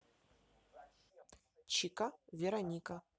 чика вероника